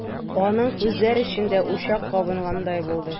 Аның күзләр эчендә учак кабынгандай булды.